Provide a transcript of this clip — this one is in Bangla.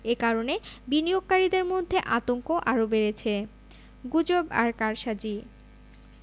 এ কারণে বিনিয়োগকারীদের মধ্যে আতঙ্ক আরও বেড়েছে গুজব আর কারসাজি